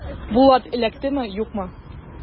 Булат эләктеме, юкмы?